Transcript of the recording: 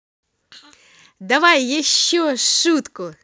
давай еще шутку